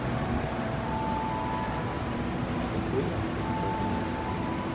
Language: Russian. а какой он сам размера